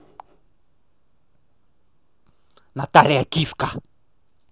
наталья киска